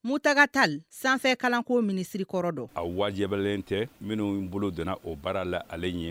Mu taga tali sanfɛ kalanko minisirikɔrɔ dɔ a wajibiɛlɛlen tɛ minnu in n bolo donna o baara la ale ye